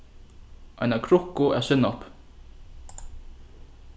eina krukku av sinnopi